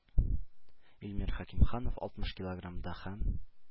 Илмир Хәкимханов алтмыш килограммда һәм